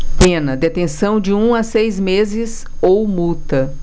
pena detenção de um a seis meses ou multa